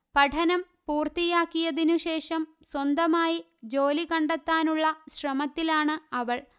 പഠനം പൂർത്തിയാക്കിയതിനുശേഷം സ്വന്തമായി ജോലി കണ്ടെത്താനുള്ള ശ്രമത്തിലാണ് അവൾ